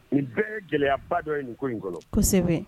Ni bɛɛ ye gɛlɛyaba dɔ ye ni ko in kɔnɔ, kosɛbɛ.